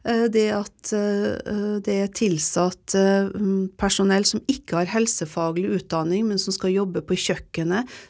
det at det er tilsatt personell som ikke har helsefaglig utdanning men som skal jobbe på kjøkkenet.